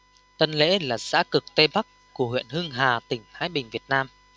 tân lễ là xã cực tây bắc của huyện hưng hà tỉnh thái bình việt nam